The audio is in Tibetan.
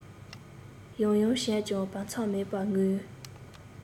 ཡང ཡང བྱས ཀྱང བར མཚམས མེད པར ངུས